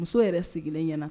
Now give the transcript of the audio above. Muso yɛrɛ sigilen ɲɛna